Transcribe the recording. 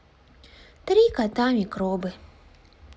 три кота микробы